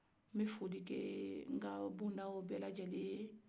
n bɛ folikɛ n ka bondaw bɛɛ lajɛlen ye